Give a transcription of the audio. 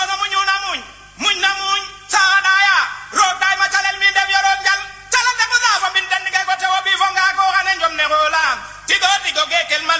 ñoom dañuy bu tawee ñoom dañuy téye ndox bi ah am suuf yoo xam ne bu tawee ndox bi day ruisselé day dem